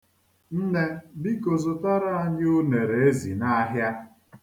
Nne, biko zụtara anyị unereezi n'ahịa.